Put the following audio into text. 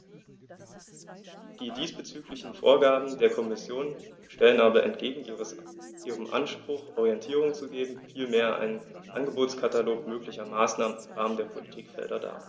Die diesbezüglichen Vorgaben der Kommission stellen aber entgegen ihrem Anspruch, Orientierung zu geben, vielmehr einen Angebotskatalog möglicher Maßnahmen im Rahmen der Politikfelder dar.